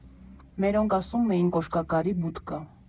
Մերոնք ասում էին «Կոշկակարի բուդկա»։